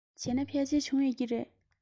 བྱས ན ཕལ ཆེར བྱུང ཡོད ཀྱི རེད